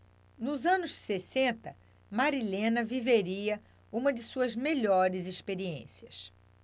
nos anos sessenta marilena viveria uma de suas melhores experiências